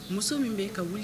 Muso min bɛ ka wuli